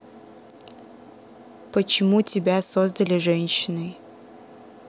почему тебя создали женщиной